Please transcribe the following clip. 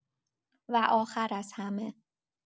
و آخر از همه